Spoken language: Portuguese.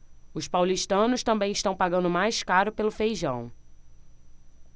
os paulistanos também estão pagando mais caro pelo feijão